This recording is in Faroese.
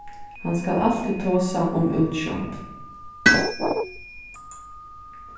hann skal altíð tosa um útsjónd